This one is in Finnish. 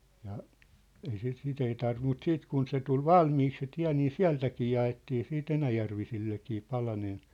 ja ei sitä sitä ei tarvinnut mutta sitten kun se tuli valmiiksi se tie niin sieltäkin jaettiin sitten enäjärvisillekin palanen